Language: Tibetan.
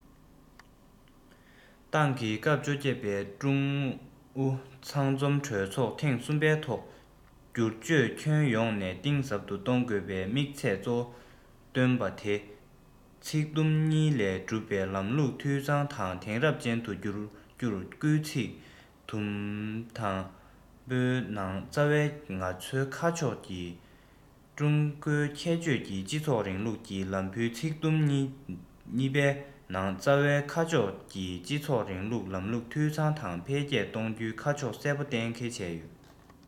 ཏང གི སྐབས བཅོ བརྒྱད པའི ཀྲུང ཨུ ཚང འཛོམས གྲོས ཚོགས ཐེངས གསུམ པའི ཐོག སྒྱུར བཅོས ཁྱོན ཡོངས ནས གཏིང ཟབ ཏུ གཏོང དགོས པའི དམིགས ཚད གཙོ བོ བཏོན པ དེ ནི ཚིག དུམ གཉིས ལས གྲུབ པའི ལམ ལུགས འཐུས ཚང དང དེང རབས ཅན དུ འགྱུར རྒྱུར སྐུལ ཚིག དུམ དང པོའི ནང རྩ བའི ང ཚོའི ཁ ཕྱོགས ནི ཀྲུང གོའི ཁྱད ཆོས ཀྱི སྤྱི ཚོགས རིང ལུགས ཀྱི ལམ བུའི ཚིག དུམ གཉིས པའི ནང རྩ བའི ཁ ཕྱོགས ཀྱི སྤྱི ཚོགས རིང ལུགས ལམ ལུགས འཐུས ཚང དང འཕེལ རྒྱས གཏོང རྒྱུའི ཁ ཕྱོགས གསལ པོ གཏན འཁེལ བྱས ཡོད